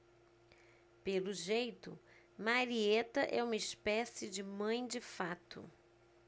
pelo jeito marieta é uma espécie de mãe de fato